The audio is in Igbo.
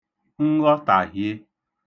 nghọtàhie